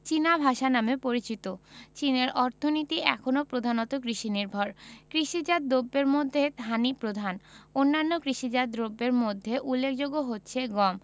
চীনা ভাষা নামে পরিচিত চীনের অর্থনীতি এখনো প্রধানত কৃষিনির্ভর কৃষিজাত দ্রব্যের মধ্যে ধানই প্রধান অন্যান্য কৃষিজাত দ্রব্যের মধ্যে উল্লেখযোগ্য হচ্ছে গম